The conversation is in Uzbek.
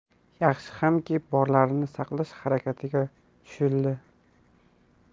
yaxshi hamki borlarini saqlash harakatiga tushildi